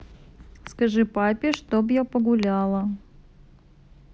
скажи папе чтоб я погуляла